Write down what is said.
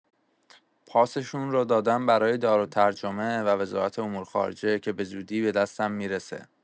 پاس‌شون رو دادم برای دارالترجمه و وزارت امور خارجه که بزودی بدستم می‌رسه.